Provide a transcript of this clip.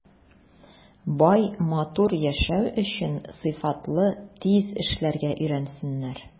Бай, матур яшәү өчен сыйфатлы, тиз эшләргә өйрәнсеннәр.